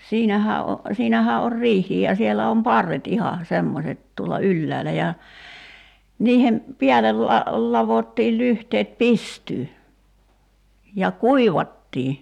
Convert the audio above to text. siinähän - siinähän on riihikin ja siellä on parret ihan semmoiset tuolla ylhäällä ja niiden päälle - ladottiin lyhteet pystyyn ja kuivattiin